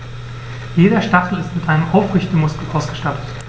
Jeder Stachel ist mit einem Aufrichtemuskel ausgestattet.